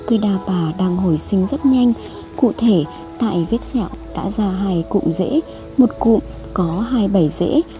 cây đa bà đang hồi sinh rất nhanh cụ thể tại vết sẹo đã ra cụm rễ một cụm có rễ